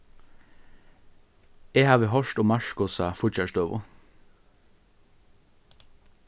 eg havi hoyrt um markusa fíggjarstøðu